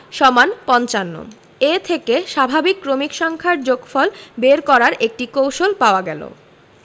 =৫৫ এ থেকে স্বাভাবিক ক্রমিক সংখ্যার যোগফল বের করার একটি কৌশল পাওয়া গেল